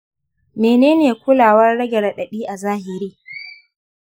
menene kulawar rage raɗaɗi a zahiri?